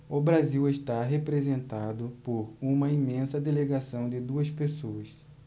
o brasil está representado por uma imensa delegação de duas pessoas